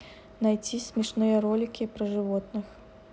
найти смешные ролики про животных